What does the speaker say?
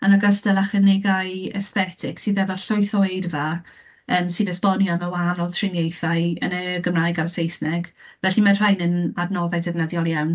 Yn ogystal â chynigau esthetig sydd efo llwyth o eirfa , yym, sy'n esbonio am y wahanol triniaethau yn y Gymraeg a'r Saesneg. Felly mae rhain yn adnoddau defnyddiol iawn.